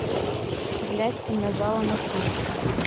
блядь ты нажала на пульт